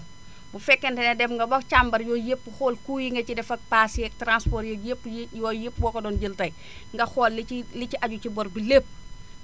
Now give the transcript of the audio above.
bu fekkente ne dem nga ba càmbar yooyu yëpp xool coûts yi nga ci def ak paas yeeg transport yeeg yëpp yi yooyu yëpp boo ko doon jël tey nga xool li ci li ci aju ci bor bi lépp